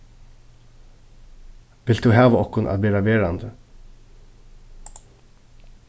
vilt tú hava okkum at verða verandi